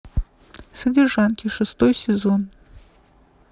содержанки шестой сезон